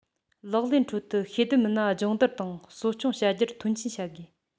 ལག ལེན ཁྲོད དུ ཤེས ལྡན མི སྣ སྦྱོང བརྡར དང གསོ སྐྱོང བྱ རྒྱུར མཐོང ཆེན བྱ དགོས